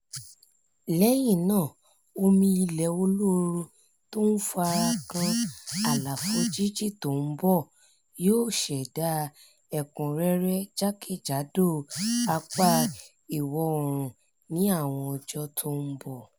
Lẹ́yìn náà, omi ilẹ̀ olóoru tó ńfara kan àlàfo jínjìn tó ḿbọ̀ yóò ṣẹ̀dá ẹ̀kúnrẹ́rẹ́ jákejádò apá Ìwọ̀-oòrùn Gúúsù ní àwọn ọjọ́ tó ḿbọ̀.